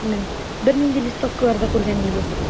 Белмим, бернинди листовкалар да күргәнем юк.